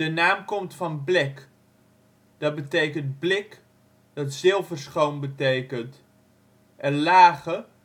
naam komt van blek (= blik, dat zilverschoon betekent) en lage